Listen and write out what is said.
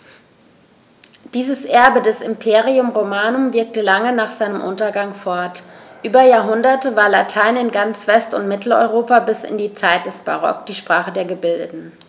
Dieses Erbe des Imperium Romanum wirkte lange nach seinem Untergang fort: Über Jahrhunderte war Latein in ganz West- und Mitteleuropa bis in die Zeit des Barock die Sprache der Gebildeten.